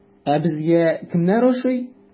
Ә безгә кемнәр ошый?